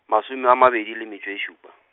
masome a mabedi le metšo e šupa.